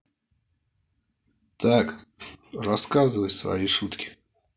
так рассказывай свои шутки